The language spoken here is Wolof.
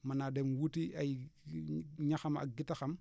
mën naa dem wuti ay ñaxam ak gitaxam